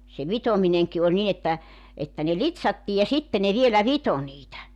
se vitominenkin oli niin että että ne litsattiin ja sitten ne vielä vitoi niitä